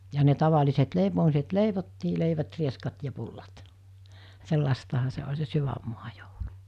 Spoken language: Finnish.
ja ne tavalliset leipomiset leivottiin leivät rieskat ja pullat sellaistahan se oli se sydänmaa joulu